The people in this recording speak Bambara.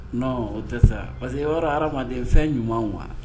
N o tɛsa parce que yɔrɔ hadama fɛn ɲuman wa